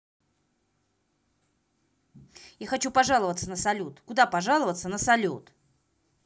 я хочу пожаловаться на салют куда пожаловаться на салют